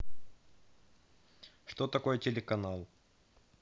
что такое телеканал